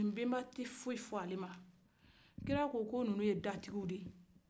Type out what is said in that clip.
ko nbenba tɛ foyi fɔ ale ma kira ko nunu ye datigi de ye